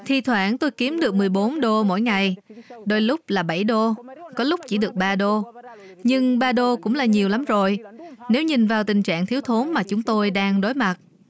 thi thoảng tôi kiếm được mười bốn đô mỗi ngày đôi lúc là bảy đô có lúc chỉ được ba đô nhưng ba đô cũng là nhiều lắm rồi nếu nhìn vào tình trạng thiếu thốn mà chúng tôi đang đối mặt